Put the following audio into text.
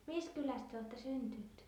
missä kylässä te olette syntynyt